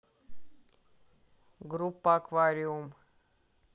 группа аквариум